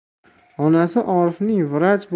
onasi orifning vrach